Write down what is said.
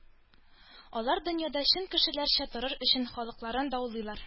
Алар дөньяда чын кешеләрчә торыр өчен хакларын даулыйлар